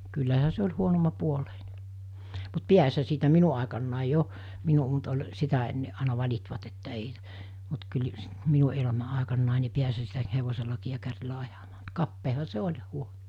kyllähän se oli huonommanpuoleinen mutta pääsihän siitä minun aikanani jo minun mutta oli sitä ennen aina valittivat että ei mutta kyllä - minun elämä aikanani niin pääsihän siitä hevosellakin ja kärryllä ajamaan mutta kapeahan se oli ja huono